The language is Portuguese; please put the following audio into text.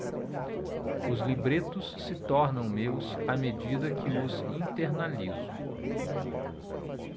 os libretos se tornam meus à medida que os internalizo